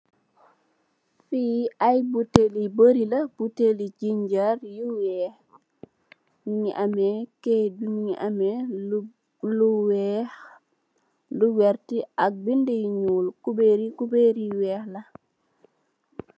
Fi ay bottèl yu barri la, butèèlli ginger yu wèèx l, mugii ameh lu wèèx, lu werta ak bindé yu ñuul. Kuberr yi kuberr yu wèèx la.